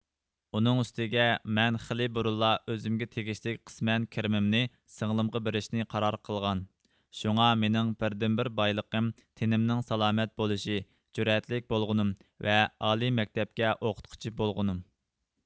ئۇنىڭ ئۈستىگە مەن خېلى بۇرۇنلا ئۆزۈمگە تېگىشلىك قىسمەن كىرىمىمنى سىڭلىمغا بېرىشنى قارار قىلغان شۇڭا مېنىڭ بىردىنبىر بايلىقىم تېنىمنىڭ سالامەت بولۇشى جۈرئەتلىك بولغىنىم ۋە ئالىي مەكتەپكە ئوقۇتقۇچى بولغىنىم